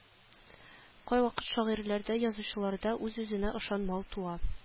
Кайвакыт шагыйрьләрдә язучыларда үз-үзенә ышанмау туа